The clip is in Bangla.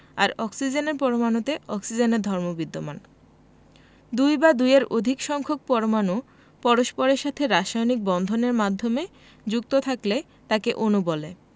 আর অক্সিজেনের পরমাণুতে অক্সিজেনের ধর্ম বিদ্যমান দুই বা দুইয়ের অধিক সংখ্যক পরমাণু পরস্পরের সাথে রাসায়নিক বন্ধনএর মাধ্যমে যুক্ত থাকলে তাকে অণু বলে